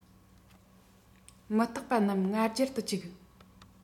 མུ སྟེགས པ རྣམས ང རྒྱལ དུ བཅུག